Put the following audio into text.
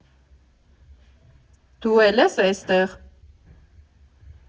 Դու է՞լ ես ստեղ։